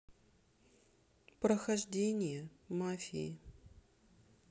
прохождение мафии